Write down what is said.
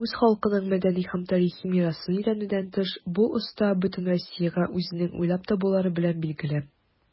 Үз халкының мәдәни һәм тарихи мирасын өйрәнүдән тыш, бу оста бөтен Россиягә үзенең уйлап табулары белән билгеле.